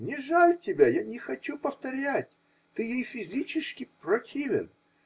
Мне жаль тебя, я не хочу повторять! Ты ей физически противен!